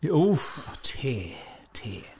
Wff... o tê, tê.